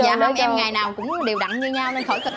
dạ hông em ngày nào cũng đều đặn như nhau nên khỏi cần